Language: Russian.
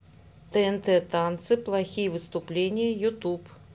тнт танцы плохие выступления ютуб